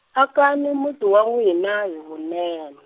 akani muti wa n'wina hi vunen-.